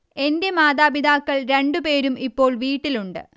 എന്റെ മാതാപിതാക്കൾ രണ്ടുപേരും ഇപ്പോൾ വീട്ടിലുണ്ട്